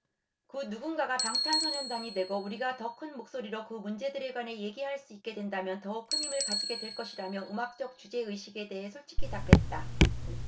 그 누군가가 방탄소년단이 되고 우리가 더 큰 목소리로 그 문제들에 관해 얘기할 수 있게 된다면 더욱 큰 힘을 가지게 될 것이라며 음악적 주제의식에 대해 솔직히 답했다